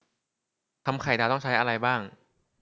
ทำไข่ดาวต้องใช้อะไรบ้าง